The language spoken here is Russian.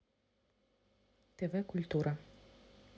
тв культура